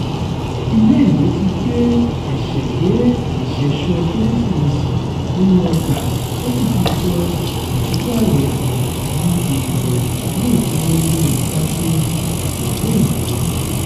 Ilé-ìwé ti gbé ẹsẹ̀ lé ìṣẹ̀ṣọ́ọ Kérésìmesì nínú ọgbà ó sì ti sọ pàṣìpàrọ̀ ẹ̀bùn di èèwọ̀ ní ìpolongo ìtako àjọ̀dún Òyìnbó.